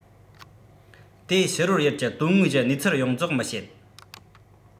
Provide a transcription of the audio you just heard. དེ ཕྱི རོལ ཡུལ གྱི དོན དངོས ཀྱི གནས ཚུལ ཡོངས རྫོགས མི བྱེད